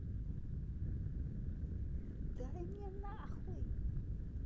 дай мне нахуй